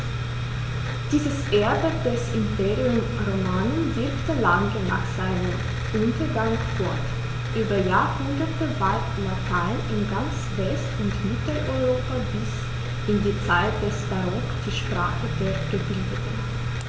Dieses Erbe des Imperium Romanum wirkte lange nach seinem Untergang fort: Über Jahrhunderte war Latein in ganz West- und Mitteleuropa bis in die Zeit des Barock die Sprache der Gebildeten.